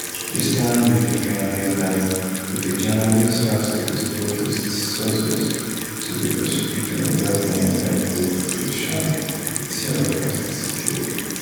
“The stand we defend is that if a journalist has to disclose his sources to a prosecutor, that means that the profession itself has disappeared.